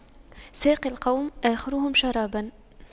ساقي القوم آخرهم شراباً